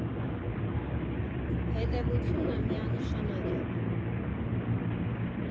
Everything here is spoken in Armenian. Հետևությունը միանշանակ է.